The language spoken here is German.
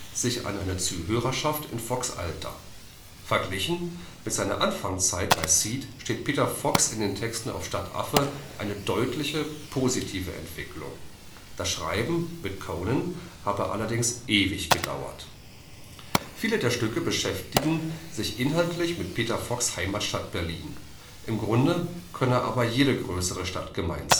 sich an eine Zuhörerschaft in Fox ' Alter. Verglichen mit seiner Anfangszeit bei Seeed sieht Peter Fox in den Texten auf Stadtaffe eine deutliche positive Entwicklung. Das Schreiben mit Conen habe allerdings „ ewig “gedauert. Viele der Stücke beschäftigen sich inhaltlich mit Peter Fox ' Heimatstadt Berlin, im Grunde könne aber jede größere Stadt gemeint